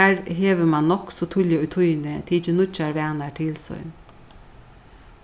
har hevur mann nokk so tíðliga í tíðini tikið nýggjar vanar til sín